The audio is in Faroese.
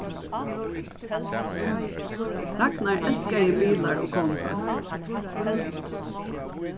ragnar elskaði bilar og konufólk